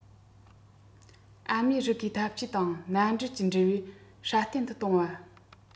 ཨ མེ རི ཁའི འཐབ ཇུས དང མནའ འབྲེལ གྱི འབྲེལ བ སྲ བརྟན དུ གཏོང བ